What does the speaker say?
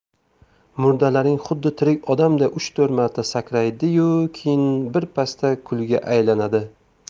murdalaring xuddi tirik odamday uch to'rt marta sakraydi yu keyin birpasda kulga aylanadi